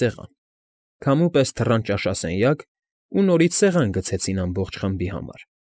Սեղան, քամու պես թռան ճաշասենյակ ու նորից սեղան գցեցին ամբողջ խմբի համար։